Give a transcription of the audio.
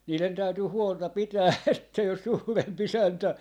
niiden täytyy huolta pitää että jos suurempi isäntä